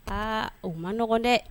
Aa,o ma nɔgɔn dɛ.